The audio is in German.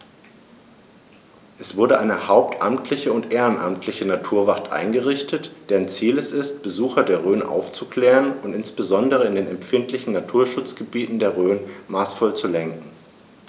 Es wurde eine hauptamtliche und ehrenamtliche Naturwacht eingerichtet, deren Ziel es ist, Besucher der Rhön aufzuklären und insbesondere in den empfindlichen Naturschutzgebieten der Rhön maßvoll zu lenken.